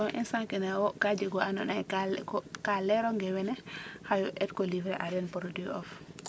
so instant kene wo ka jeg wa ando naye ko ka lero nge wene xay et ko livrer aden produit of